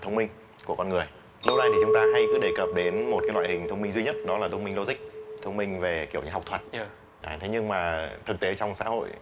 thông minh của con người lâu nay thì chúng ta hay cứ đề cập đến một cái loại hình thông minh duy nhất đó là thông minh lô dích thông minh về kiểu như học thuật thế nhưng mà thực tế trong xã hội